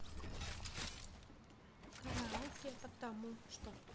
караоке потому что